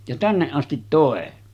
ja tänne asti toi